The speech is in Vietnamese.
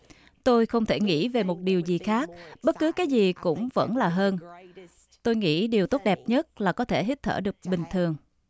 tôi không thể nghĩ về một điều gì khác bất cứ cái gì cũng vẫn là hơn tôi nghĩ điều tốt đẹp nhất là có thể hít thở được bình thường